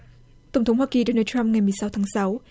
tổng thống hoa kỳ đô nờ trăm ngày mười sáu tháng sáu